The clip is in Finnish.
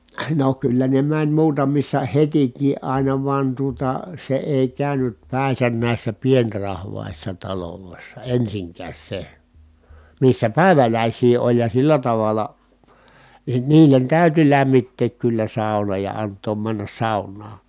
no kyllä ne meni muutamissa hetikin aina vaan tuota se ei käynyt päinsä näissä pienrahvaissa taloissa ensinkään se missä päiväläisiä oli ja sillä tavalla niin niille täytyi lämmittää kyllä sauna ja antaa mennä saunaan